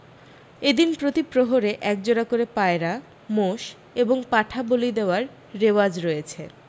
এ দিন প্রতি প্রহরে এক জোড়া করে পায়রা মোষ এবং পাঠা বলি দেওয়ার রেওয়াজ রয়েছে